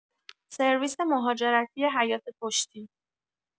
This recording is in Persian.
سرویس مهاجرتی حیاط پشتی